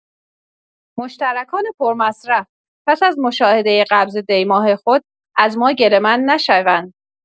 مشترکان پرمصرف پس‌از مشاهده قبض دی‌ماه خود، از ما گله‌مند نشوند.